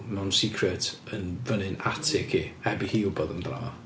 mewn secret yn fyny'n atig hi, heb i hi wbod amdano fo.